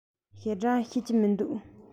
ཞེ དྲགས ཤེས ཀྱི མི འདུག